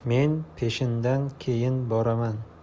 men peshindan keyin boraman